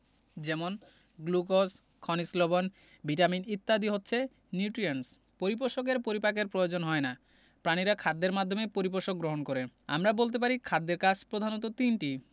যেমন গ্লুকোজ খনিজ লবন ভিটামিন ইত্যাদি হচ্ছে নিউট্রিয়েন্টস পরিপোষকের পরিপাকের প্রয়োজন হয় না প্রাণীরা খাদ্যের মাধ্যমে পরিপোষক গ্রহণ করে আমরা বলতে পারি খাদ্যের কাজ প্রধানত তিনটি